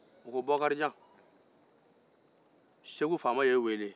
u ko bokarijan segu faama y'i weele